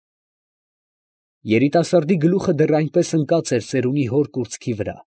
Երիտասարդի գլուխը դեռ այնպես ընկած էր ծերունի հոր կուրծքի վրա։